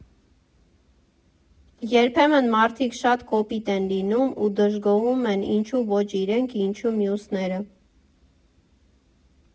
Երբեմն մարդիկ շատ կոպիտ են լինում ու դժգոհում են՝ ինչո՞ւ ոչ իրենք, ինչո՞ւ մյուսները։